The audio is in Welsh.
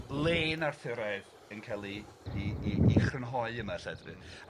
lên Arthuraidd yn ca'l 'i 'i 'i 'i chrynhoi yma ella tydi? Hmm.